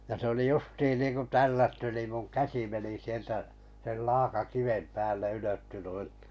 ja se oli justiin niin kuin tällätty niin minun käsi meni sieltä sen laakakiven päälle ylettyi noin